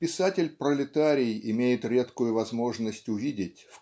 писатель-пролетарий имеет редкую возможность увидеть